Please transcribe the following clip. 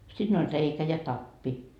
siinä oli reikä ja tappi